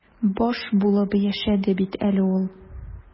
Баш булып яшәде бит әле ул.